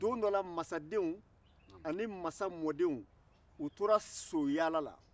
dɔn dɔ la mansadenw ani mansa mɔdenw u tora soyaala la